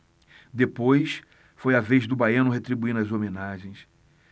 depois foi a vez do baiano retribuir as homenagens